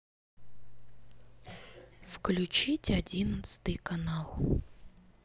включить одиннадцатый канал